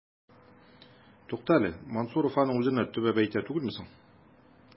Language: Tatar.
Тукта әле, Мансуров аның үзенә төбәп әйтә түгелме соң? ..